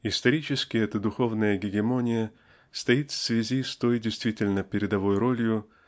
Исторически эта духовная гегемония стоит в связи с той действительно передовой ролью